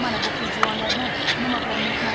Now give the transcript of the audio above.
mana bu qiz juvonlarni nima bilan mehmon